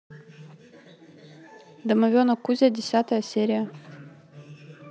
домовенок кузя десятая серия